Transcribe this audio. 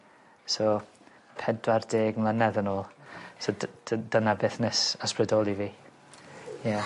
So pedwar deg mlynedd yn ôl. So dy- dyn- dyna beth nes ysbrydoli fi. Ie.